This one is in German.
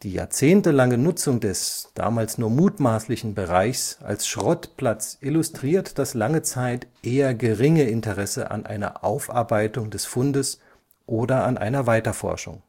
jahrzehntelange Nutzung des – damals nur mutmaßlichen – Bereichs als Schrottplatz illustriert das lange Zeit eher geringe Interesse an einer Aufarbeitung des Fundes oder an einer Weiterforschung